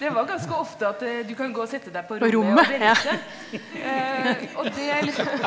det var ganske ofte at du kan gå å sette deg på rommet og vente, og det liksom.